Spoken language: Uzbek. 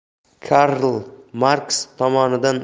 karl marks tomonidan